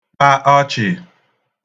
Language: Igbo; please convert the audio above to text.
kpa ọchì